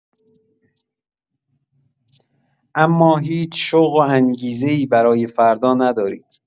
اما هیچ شوق و انگیزه‌ای برای فردا ندارید.